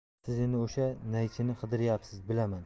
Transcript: siz endi o'sha naychini qidiryapsiz bilaman